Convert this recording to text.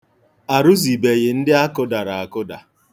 Arụzibeghị ndị a kụdara akụda.